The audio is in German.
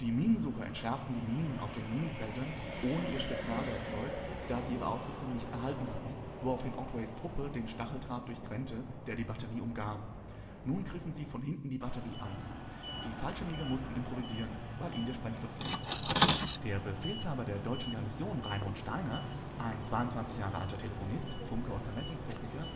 Minensucher entschärften die Minen auf den Minenfeldern ohne ihr Spezialwerkzeug, da sie ihre Ausrüstung nicht erhalten hatten, woraufhin Otways Truppe den Stacheldraht durchtrennte, der die Batterie umgab. Nun griffen sie von hinten die Batterie an. Die Fallschirmjäger mussten improvisieren, weil ihnen der Sprengstoff fehlte. Schiffbeschuß der Strandabschnitte (HMS Arethusa und Merville Batterie hervorgehoben) Der Befehlshaber der deutschen Garnison, Raimund Steiner, ein 22 Jahre alter Telefonist, Funker und Vermessungstechniker